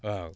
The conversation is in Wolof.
waaw